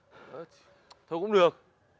thôi cũng được